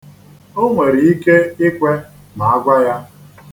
O nwere ike ikwe ma agwa ya.